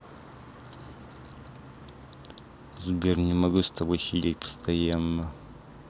сбер не могу с тобой сидеть постоянно